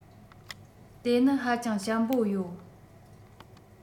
དེ ནི ཧ ཅང ཞན པོ ཡོད